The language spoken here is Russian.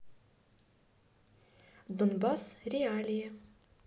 донбасс реалии